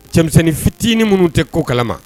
Cɛmisɛnnin fitinin minnu tɛ ko kalama